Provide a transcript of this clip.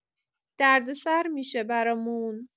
دردسر می‌شه برامون.